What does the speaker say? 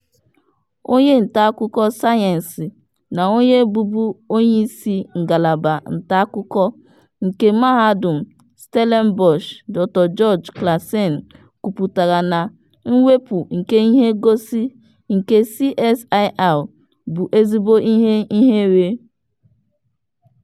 Onye ntaakụkọ sayensị na onye bụbu onyeisi ngalaba ntaakụkọ nke Mahadum Stellenbosch, Dr George Claassen kwuputara na mwepụ nke ihengosị nke CSIR bụ “ezigbo ihe ihere”.